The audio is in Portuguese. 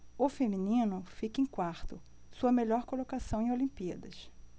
o feminino fica em quarto sua melhor colocação em olimpíadas